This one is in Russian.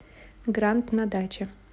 гранд на даче